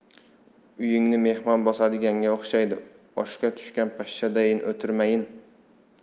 uyingni mehmon bosadiganga o'xshaydi oshga tushgan pashshadayin o'tirmayin